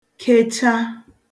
kecha